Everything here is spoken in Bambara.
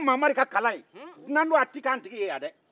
nin ye mamari ka kala ye dunan don a tɛ kɛ an tigi ye yan dɛ